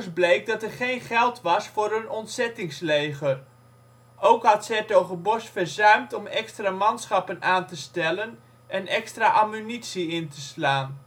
bleek, dat er geen geld was voor een ontzettingsleger. Ook had ' s-Hertogenbosch verzuimd om extra manschappen aan te stellen en extra ammunitie in te slaan